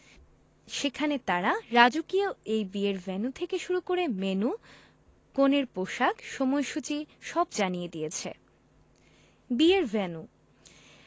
সেখানে তারা রাজকীয় এই বিয়ের ভেন্যু থেকে শুরু করে মেন্যু কনের পোশাক সময়সূচী সব জানিয়ে দিয়েছে বিয়ের ভেন্যু